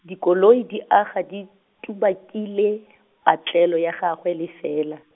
dikoloi di aga di, tubakile, patlelo ya gagwe lefela.